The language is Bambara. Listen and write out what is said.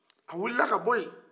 a wilila ka bɔ ye